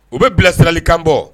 U bɛ bilasirarali kan bɔ